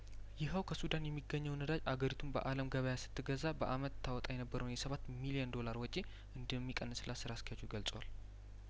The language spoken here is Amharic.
ይኸው ከሱዳን የሚገኘው ነዳጅ አገሪቱ በአለም ገበያ ስትገዛ በአመት ታወጣ የነበረውን የሰባት ሚሊየን ዶላር ወጪ እንደሚቀንስላት ስራ አስኪያጁ ገልጿል